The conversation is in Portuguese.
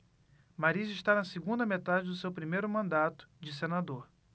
mariz está na segunda metade do seu primeiro mandato de senador